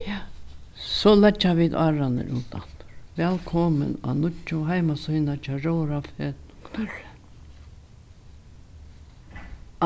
ja so leggja vit árarnar út aftur vælkomin á nýggju heimasíðuna hjá róðrarfelag knørri